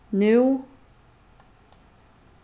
nú